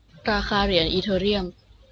ราคาเหรียญอีเธอเรียม